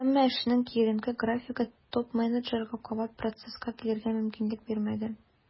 Әмма эшенең киеренке графигы топ-менеджерга кабат процесска килергә мөмкинлек бирмәде.